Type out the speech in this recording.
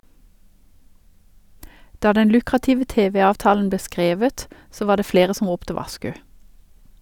Da den lukrative tv-avtalen ble skrevet så var det flere som ropte varsku.